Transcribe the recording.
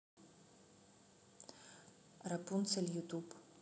рапунцель ютуб